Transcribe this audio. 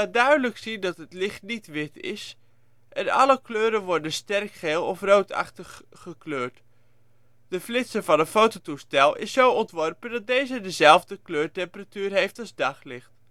duidelijk zien dat het licht niet wit is en alle kleuren worden sterk geel of roodachtig gekleurd. De flitser van een fototoestel is zo ontworpen dat deze dezelfde kleurtemperatuur heeft als daglicht